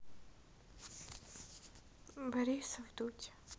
борисов дудь